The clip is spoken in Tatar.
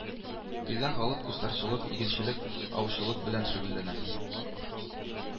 Килгән халык кустарчылык, игенчелек, аучылык белән шөгыльләнә